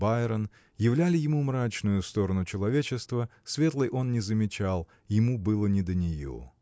Байрон являли ему мрачную сторону человечества – светлой он не замечал ему было не до нее.